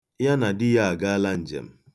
Ya na di ya agala njem.